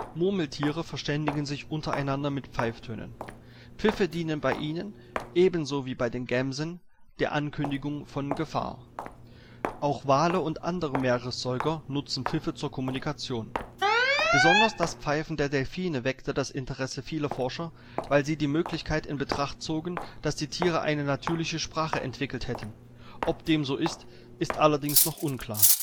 Murmeltiere verständigen sich untereinander mit Pfeiftönen. Pfiffe dienen bei ihnen - ebenso wie bei den Gämsen - der Ankündigung von Gefahr. Auch Wale und andere Meeressäuger nutzen Pfiffe zur Kommunikation. Besonders das Pfeifen der Delfine weckte das Interesse vieler Forscher, weil sie die Möglichkeit in Betracht zogen, dass die Tiere eine natürliche Sprache entwickelt hätten. Ob dem so ist, ist allerdings noch unklar